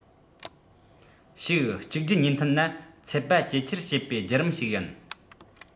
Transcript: ཞིག གཅིག རྗེས གཉིས མཐུད ན ཚད པ ཇེ ཆེར བྱེད པའི བརྒྱུད རིམ ཞིག ཡིན